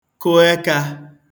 kụ̀ ẹka